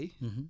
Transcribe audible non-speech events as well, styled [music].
[hesitation] [hesitation]